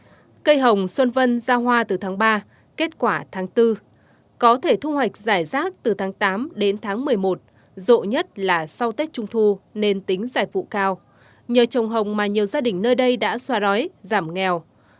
cây hồng xuân vân ra hoa từ tháng ba kết quả tháng tư có thể thu hoạch rải rác từ tháng tám đến tháng mười một rộ nhất là sau tết trung thu nên tính giải phụ cao nhờ trồng hồng mà nhiều gia đình nơi đây đã xóa đói giảm nghèo